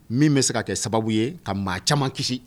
Min bɛ se ka kɛ sababu ye ka maa caman kisi